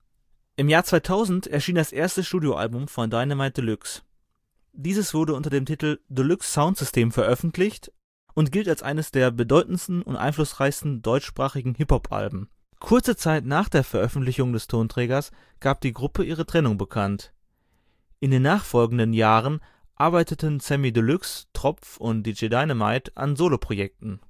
Im Jahr 2000 erschien das erste Studioalbum von Dynamite Deluxe. Dieses wurde unter dem Titel Deluxe Soundsystem veröffentlicht und gilt als eines der bedeutendsten und einflussreichsten deutschsprachigen Hip-Hop-Alben. Kurze Zeit nach der Veröffentlichung des Tonträgers gab die Gruppe ihre Trennung bekannt. In den nachfolgenden Jahren arbeiteten Samy Deluxe, Tropf und DJ Dynamite an Soloprojekten